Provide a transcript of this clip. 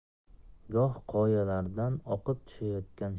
goh qoyalardan oqib tushayotgan